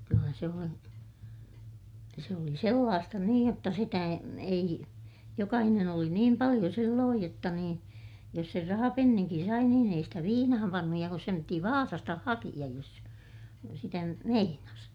kyllä se on ja se oli sellaista niin jotta sitä - ei jokainen oli niin paljon silloin jotta niin jos sen rahapenninkin sai niin ei sitä viinaan pannut ja kun sen piti Vaasasta hakea jos sitä sitä nyt meinasi